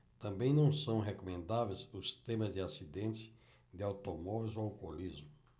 também não são recomendáveis os temas de acidentes de automóveis ou alcoolismo